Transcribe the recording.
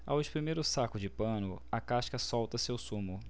ao espremer o saco de pano a casca solta seu sumo